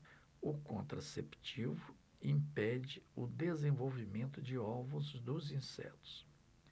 o contraceptivo impede o desenvolvimento de ovos dos insetos